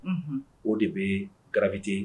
O de bɛ garibiti